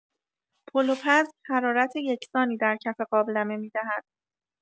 پلوپز حرارت یکسانی در کف قابلمه می‌دهد.